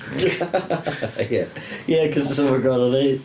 Ia achos 'sa fo'n gorfod wneud.